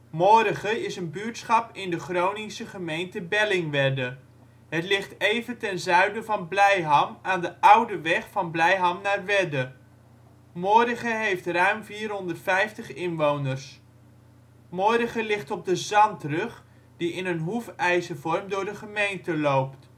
Morige is een buurtschap in de Groningse gemeente Bellingwedde. Het ligt even ten zuiden van Blijham aan de oude weg van Blijham naar Wedde. Morige heeft ruim 450 inwoners. Morige ligt op de zandrug die in een hoefijzervorm door de gemeente loopt